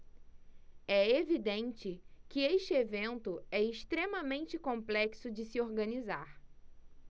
é evidente que este evento é extremamente complexo de se organizar